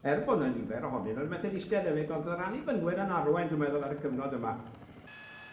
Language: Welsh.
Er bo' 'na nifer ohonyn nw yn Methodistiaid efyd, ond o'dd yr Annibynwyr yn arwain, dwi'n meddwl, ar y cyfnod yma.